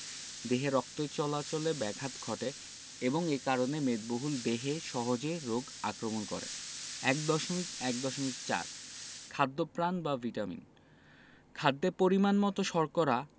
দেহে রক্ত চলাচলে ব্যাঘাত ঘটে এবং এ কারণে মেদবহুল দেহে সহজে রোগ আক্রমণ করে ১.১.৪ খাদ্যপ্রাণ বা ভিটামিন খাদ্যে পরিমাণমতো শর্করা